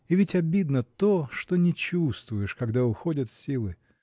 И ведь обидно то, что не чувствуешь, когда уходят силы.